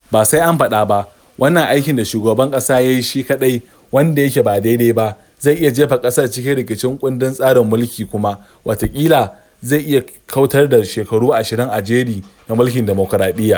Ba sai an faɗa ba, wannan aikin da shugaban ƙasa ya yi shi kaɗai wanda yake ba daidai ba zai iya jefa ƙasar cikin rikicin kundin tsarin mulki kuma, wataƙila, zai iya kautar da shekaru 20 a jere na mulkin dimukuraɗiyya.